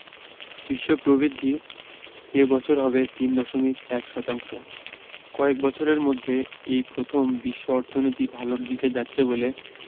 বিশ্ব প্রবৃদ্ধি এ বছর হবে ৩.১ শতাংশ কয়েক বছরের মধ্যে এই প্রথম বিশ্ব অর্থনীতি ভালোর দিকে যাচ্ছে বলে